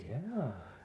jaa